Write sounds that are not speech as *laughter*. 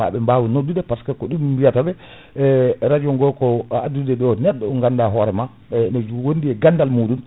maɓe baw noddude par ce que ko ɗum mi wiyataɓa e radio ngo ko addude ɗo neɗɗo ganduɗa hoorema *hesitation* ne wondi e gandal muɗum